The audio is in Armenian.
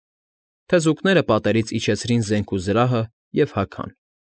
Թզուկները պատերից իջեցրին զենք ու զրահը և հագան։